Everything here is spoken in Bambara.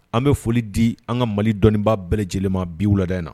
An bɛ foli di an ka mali dɔnniɔnibaa bɛɛ lajɛlen ma bi lada in na